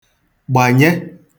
gbànye